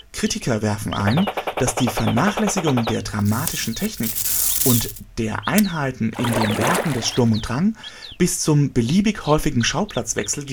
Kritiker werfen ein, dass die Vernachlässigung der dramatischen Technik und der Einheiten in den Werken des Sturm und Drang bis zum beliebig häufigen Schauplatzwechsel